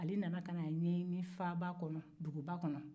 ale nana kana a ɲɛɲini faaba kɔnɔ duguba kɔnɔ